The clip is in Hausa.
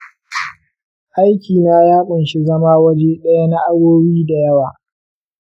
aikina ya ƙunshi zama waje ɗaya na awowi da yawa.